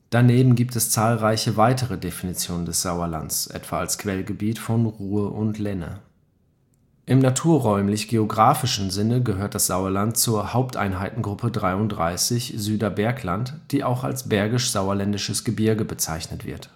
Daneben gibt es zahlreiche weitere Definitionen des Sauerlands, etwa als Quellgebiet von Ruhr und Lenne. Im naturräumlich-geographischen Sinne gehört das Sauerland zur Haupteinheitengruppe 33 „ Süderbergland “, die auch als „ Bergisch-Sauerländisches Gebirge “bezeichnet wird